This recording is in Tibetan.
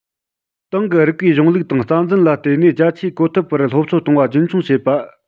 ཏང གི རིགས པའི གཞུང ལུགས དང རྩ འཛིན ལ བརྟེན ནས རྒྱ ཆེའི བཀོད འཐབ པར སློབ གསོ གཏོང བ རྒྱུན འཁྱོངས བྱེད པ